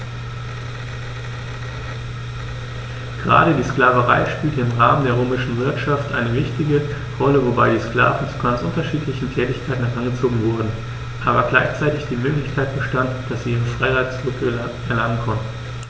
Gerade die Sklaverei spielte im Rahmen der römischen Wirtschaft eine wichtige Rolle, wobei die Sklaven zu ganz unterschiedlichen Tätigkeiten herangezogen wurden, aber gleichzeitig die Möglichkeit bestand, dass sie ihre Freiheit zurück erlangen konnten.